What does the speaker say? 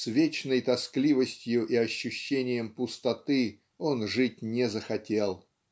с вечной тоскливостью и ощущением пустоты он жить не захотел.